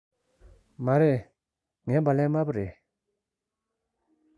མ རེད ངའི སྦ ལན དམར པོ རེད